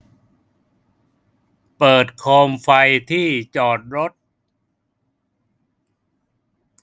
เปิดโคมไฟที่จอดรถ